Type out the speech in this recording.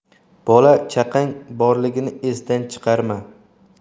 bola chaqang borligini esdan chiqarma